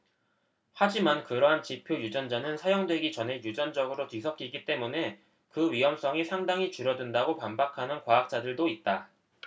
하지만 그러한 지표 유전자는 사용되기 전에 유전적으로 뒤섞이기 때문에 그 위험성이 상당히 줄어든다고 반박하는 과학자들도 있다